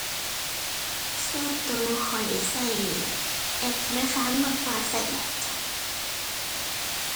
ส่วนตัวข้อยตัวแอพธนาคารมากกว่าตัวบัตรจ้ะ